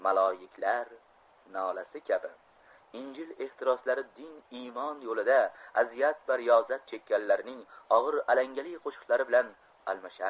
maloiklar nolasi kabi injil ehtiroslari din iymon yo'lida aziyat va riyozat chekkanlarning og'ir alangali qo'shiqlari bilan almashardi